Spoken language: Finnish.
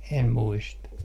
en muista